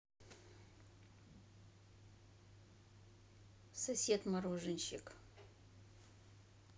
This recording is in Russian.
сосед мороженщик